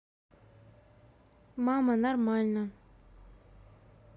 мама нормально